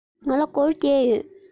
ང ལ སྒོར བརྒྱད ཡོད